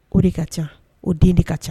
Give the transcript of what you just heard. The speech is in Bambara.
O de ka ca o den de ka ca